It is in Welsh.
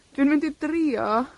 dwi'n mynd i drio